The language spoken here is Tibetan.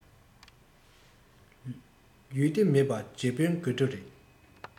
ཡུལ སྡེ མེད པའི རྗེ དཔོན དགོད རེ བྲོ